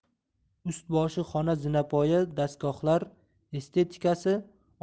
ust bosh xona zinapoya dastgohlar estetikasi